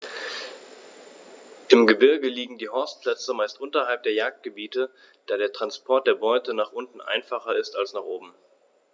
Im Gebirge liegen die Horstplätze meist unterhalb der Jagdgebiete, da der Transport der Beute nach unten einfacher ist als nach oben.